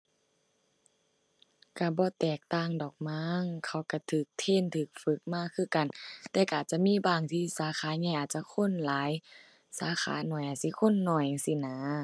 ก็บ่แตกต่างดอกมั้ง เขาก็ก็เทรนก็ฝึกมาคือกัน แต่ก็อาจจะมีบ้างที่สาขาใหญ่อาจจะคนหลาย สาขาน้อยอาจสิคนน้อยจั่งซี้นะ